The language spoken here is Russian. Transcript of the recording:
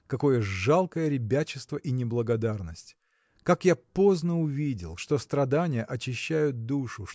какое жалкое ребячество и неблагодарность! Как я поздно увидел что страдания очищают душу